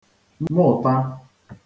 mụ̀ụ̀ta